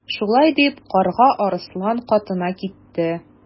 Шулай дип Карга Арыслан катына китте.